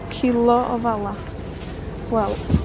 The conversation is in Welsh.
cilo o fala, wel